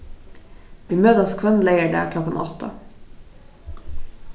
vit møtast hvønn leygardag klokkan átta